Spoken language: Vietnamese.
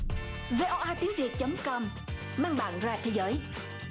vê o a tiếng việt chấm com mang bạn ra thế giới